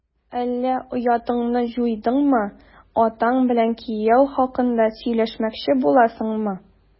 Әллә оятыңны җуйдыңмы, атаң белән кияү хакында сөйләшмәкче буласыңмы? ..